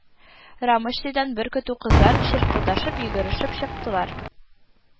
Рамочныйдан бер көтү кызлар чыркылдашып, йөгерешеп чыктылар